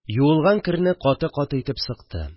Юылган керне каты-каты итеп сыкты